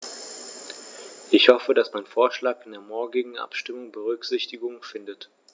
Ich hoffe, dass mein Vorschlag in der morgigen Abstimmung Berücksichtigung findet.